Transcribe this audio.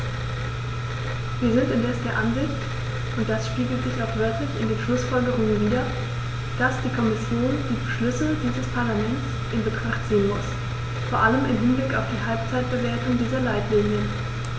Wir sind indes der Ansicht und das spiegelt sich auch wörtlich in den Schlussfolgerungen wider, dass die Kommission die Beschlüsse dieses Parlaments in Betracht ziehen muss, vor allem im Hinblick auf die Halbzeitbewertung dieser Leitlinien.